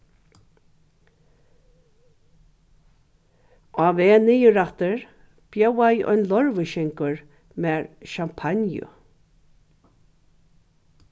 á veg niður aftur bjóðaði ein leirvíkingur mær sjampanju